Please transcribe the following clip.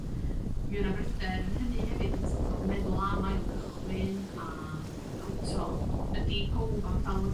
mi o' 'na bryder yn hynny hefyd yn so't of meddwl am ail gychwyn a powb t'o' ydi powb am dal